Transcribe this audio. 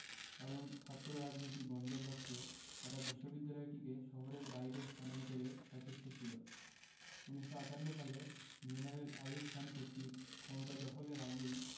কারণ ছাত্ররাজনীতি বন্ধের লক্ষ্যে তারা বিশ্ববিদ্যালয়টিকে শহরের বাইরে স্থানান্তরে সচেষ্ট ছিল ১৯৫৮ সালে জেনারেল আইয়ুব খান কর্তৃক ক্ষমতা দখলের আগেই